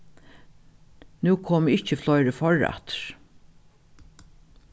nú komu ikki fleiri forrættir